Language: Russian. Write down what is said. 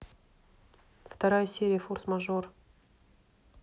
вторая серия форс мажор